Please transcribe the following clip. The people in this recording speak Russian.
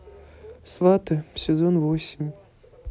сваты сезон восемь